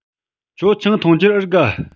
ཁྱོད ཆང འཐུང རྒྱུར འུ དགའ